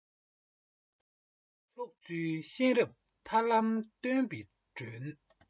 ཕྱོགས བཅུའི གཤེན རབ ཐར ལམ སྟོན པའི སྒྲོན